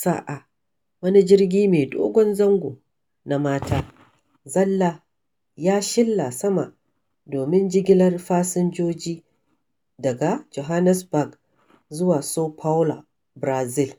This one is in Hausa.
SAA, wani jirgi mai dogon zango na mata zalla ya shilla sama domin jigilar fasinjoji daga Johnnesburg zuwa Sao Paulo, Barazil.